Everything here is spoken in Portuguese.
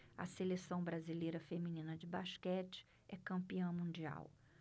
a seleção brasileira feminina de basquete é campeã mundial